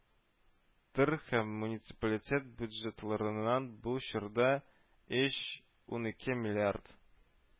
ТэР һәм муниципалитет бюджетларыннан бу чорда өч унике миллиард